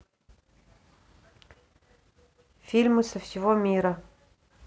фильмы со всего мира